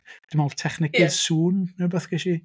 Dwi'n meddwl fel technegydd... ia. ...sŵn neu wbath ges i.